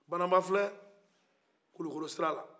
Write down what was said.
banamba filɛ kulikɔrɔ sira la